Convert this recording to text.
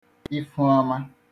ifuọma